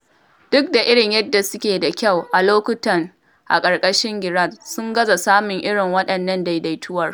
Ƙwallonsu ta ƙarshe ba ta isa ba - kawai sau ɗaya ne suka yanke gefen gidan a buɗe - kuma wani abu ne da ya zama kiran wartsakarwar ga Rangers, waɗanda suka sami kansu a tsakiyar teburi.